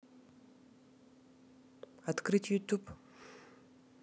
открыть ютьюб